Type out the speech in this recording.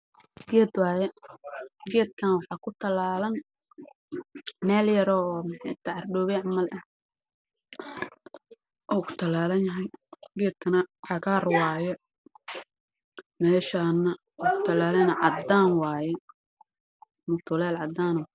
Waa geed ku talaalan caro dhoobey